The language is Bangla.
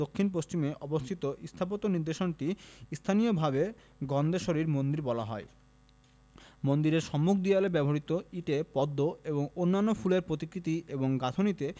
দক্ষিণ পশ্চিমে অবস্থিত স্থাপত্য নিদর্শনটিকে স্থানীয়ভাবে গন্ধেশ্বরীর মন্দির বলা হয় মন্দিরের সম্মুখ দেয়ালে ব্যবহূত ইটে পদ্ম ও অন্যান্য ফুলের প্রতিকৃতি এবং গাঁথুনীতে